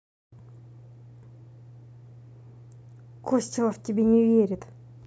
костелов тебя не верит